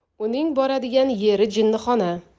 uning boradigan yeri jinnixona